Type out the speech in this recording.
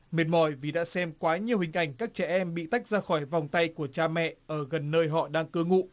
mệt mỏi vì đã xem quá nhiều hình ảnh các trẻ em bị tách ra khỏi vòng tay của cha mẹ ở gần nơi họ đang cư ngụ